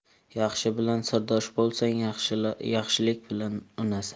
yaxshi bilan sirdosh bo'lsang yaxshilik bilan unasan